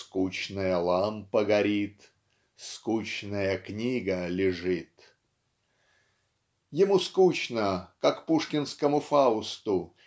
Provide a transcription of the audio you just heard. "Скучная лампа горит, скучная книга лежит". Ему скучно как пушкинскому Фаусту